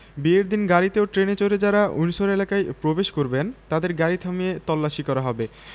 বিয়ের দিন গাড়িতে ও ট্রেনে চড়ে যাঁরা উইন্ডসর এলাকায় প্রবেশ করবেন তাঁদের গাড়ি থামিয়ে তল্লাশি করা হবে